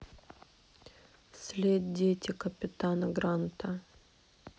след дети капитана гранта